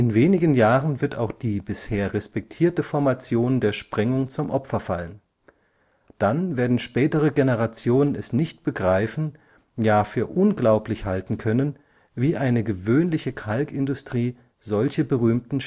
wenigen Jahren wird auch die bisher respektierte Formation der Sprengung zum Opfer fallen. Dann werden spätere Generationen es nicht begreifen, ja für unglaublich halten können, wie eine gewöhnliche Kalkindustrie solche berühmten